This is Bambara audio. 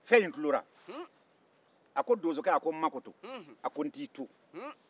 fɛn in kulera a ko dunsokɛ n makoto a ko i t'i to